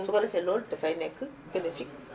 su ko defee loolu dafay nekk bénéfique